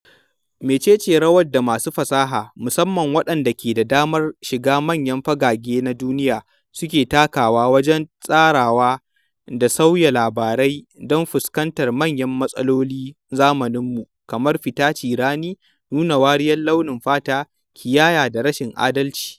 Mecece rawar da masu fasaha, musamman waɗanda ke da damar shiga manyan fagage na duniya, suke takawa wajen tsarawa da sauya labarai don fuskantar manyan matsalolin zamaninmu, kamar fita cirani, nuna wariyar launin fata, ƙiyayya da rashin adalci?